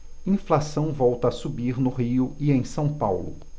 inflação volta a subir no rio e em são paulo